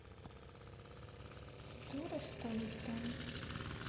ты дура что ли там